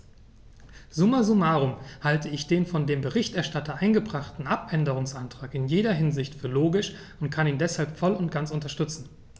Summa summarum halte ich den von dem Berichterstatter eingebrachten Abänderungsantrag in jeder Hinsicht für logisch und kann ihn deshalb voll und ganz unterstützen.